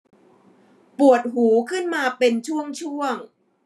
ปวดหูขึ้นมาเป็นช่วงช่วง